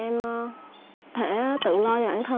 em sẽ tự lo cho bản thân